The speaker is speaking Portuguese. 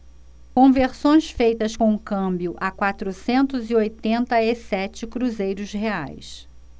conversões feitas com câmbio a quatrocentos e oitenta e sete cruzeiros reais